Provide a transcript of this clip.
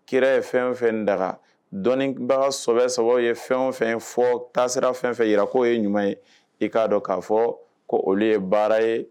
Kira ye fɛn fɛn daga dɔnnibaga sababu sababu ye fɛn o fɛn fɔ taasira fɛn fɛ jira k'o ye ɲuman ye i k'a dɔn k'a fɔ ko olu ye baara ye